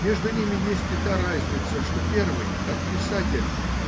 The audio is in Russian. между ними есть и та разница что первый как писатель